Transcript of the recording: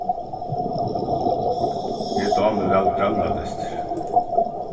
eg dámi væl grannadystir